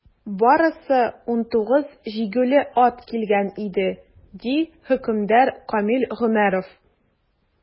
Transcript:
Барысы 19 җигүле ат килгән иде, - ди хөкемдар Камил Гомәров.